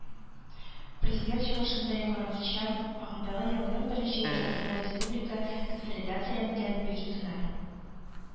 Президент чыгышында яңгыраганча, агымдагы елның беренче яртысында республика консолидацияләнгән бюджетына